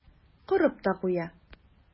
Корып та куя.